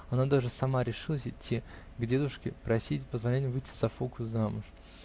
Она даже сама решилась идти к дедушке просить позволенья выйти за Фоку замуж.